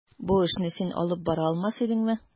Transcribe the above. Бу эшне син алып бара алмас идеңме?